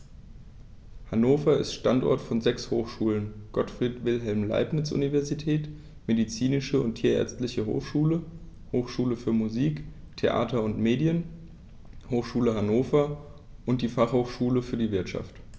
Hannover ist Standort von sechs Hochschulen: Gottfried Wilhelm Leibniz Universität, Medizinische und Tierärztliche Hochschule, Hochschule für Musik, Theater und Medien, Hochschule Hannover und die Fachhochschule für die Wirtschaft.